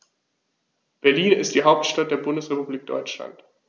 Berlin ist die Hauptstadt der Bundesrepublik Deutschland.